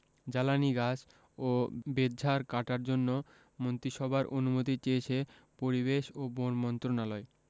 জ্বালানি গাছ ও বেতঝাড় কাটার জন্য মন্ত্রিসভার অনুমতি চেয়েছে পরিবেশ ও বন মন্ত্রণালয়